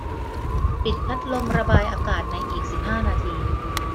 ปิดพัดลมระบายอากาศในอีกสิบห้านาที